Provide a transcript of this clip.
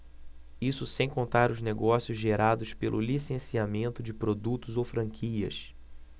isso sem contar os negócios gerados pelo licenciamento de produtos ou franquias